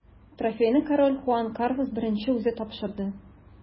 Трофейны король Хуан Карлос I үзе тапшырды.